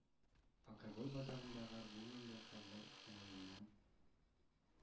Алкоголь базарындагы бүгенге хәлләр уңаеннан